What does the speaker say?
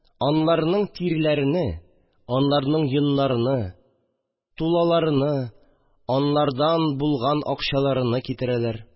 Анларның тиреләрене, анларның йоннарыны, тулаларыны, анлардан булган акчаларыны китерәләр